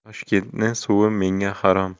toshkentni suvi menga harom